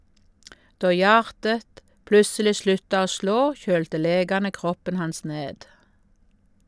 Då hjartet plutseleg slutta å slå, kjølte legane kroppen hans ned.